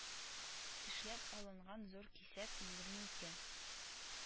Тешләп алынган зур кисәк егерме ике